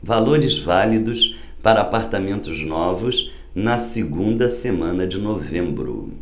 valores válidos para apartamentos novos na segunda semana de novembro